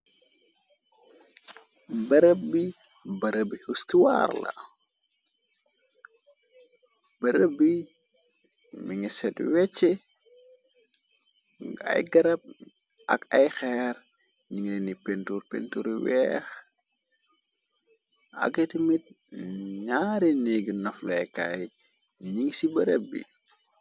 brëb bi breb bi hustuwar la bërëb bi mi ngi set wecce ngaay garab ak ay xeer ninga ni pintur pinturu weex akiti mit nyaare néggi nafloykaay ning ci bërëb bi.